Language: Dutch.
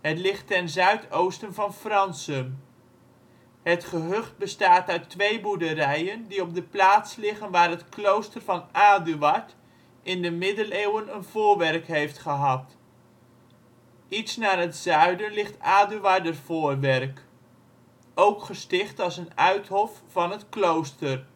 Het ligt ten zuidoosten van Fransum. Het gehucht bestaat uit twee boerderijen die op de plaats liggen waar het klooster van Aduard in de middeleeuwen een voorwerk heeft gehad. Iets naar het zuiden ligt Aduardervoorwerk, ook gesticht als een uithof van het klooster